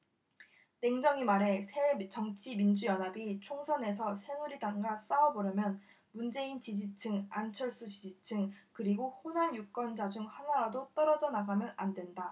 냉정히 말해 새정치민주연합이 총선에서 새누리당과 싸워보려면 문재인 지지층 안철수 지지층 그리고 호남 유권자 중 하나라도 떨어져 나가면 안 된다